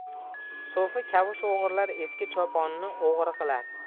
so'fi kavush o'g'irlar eski choponni o'g'ri qilar